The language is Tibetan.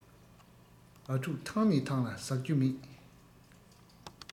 ཝ ཕྲུག ཐང ནས ཐང ལ ཟག རྒྱུ མེད